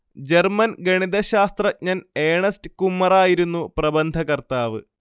German ഗണിതശാസ്ത്രജ്ഞൻ Ernst കുമ്മറായിരുന്നു പ്രബന്ധകർത്താവ്